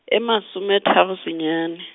e masometharo senyane.